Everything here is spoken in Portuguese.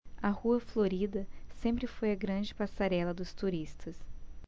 a rua florida sempre foi a grande passarela dos turistas